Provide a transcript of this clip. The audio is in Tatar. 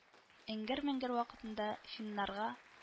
Эңгер-меңгер вакытында финнарга